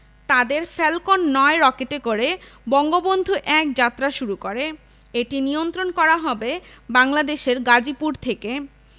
তাদের ফ্যালকন ৯ রকেটে করে বঙ্গবন্ধু ১ যাত্রা শুরু করে এটি নিয়ন্ত্রণ করা হবে বাংলাদেশের গাজীপুর থেকে